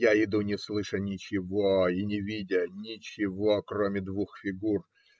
Я иду, не слыша ничего и не видя ничего, кроме двух фигур.